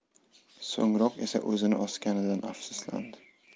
so'ngroq esa o'zini osganidan afsuslandi